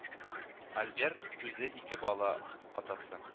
Альберт үзе ике бала атасы